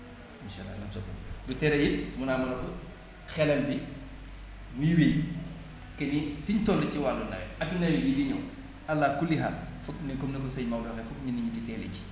insaa àllaa dina am soppeeku du tere it mu ne ah ma ne ko xelal bi muy wéy que ni fi ñu toll ci wàllu nawet ak nawet yii di ñëw allah kulli aal foog ne comme ni ko sëñ Maodo waxee foog nit ñi di teel a ji